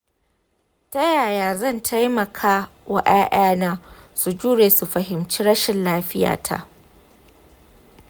ta yaya zan taimaka wa ’ya’yana su jure ko su fahimci rashin lafiyata?